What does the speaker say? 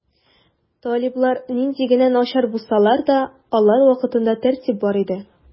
Талиблар нинди генә начар булсалар да, алар вакытында тәртип бар иде.